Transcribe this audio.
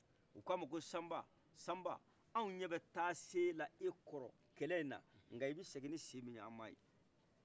u k'ama ko sanba sanba anw ɲɛbɛ taa senla e kɔrɔ nka anw ɲɛ te sengi senla i kɔrɔ